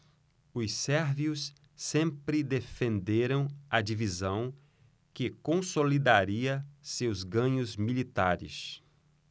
os sérvios sempre defenderam a divisão que consolidaria seus ganhos militares